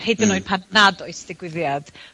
Hyd yn oed pan nad oes digwyddiad.